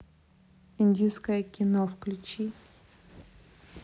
индийское кино включи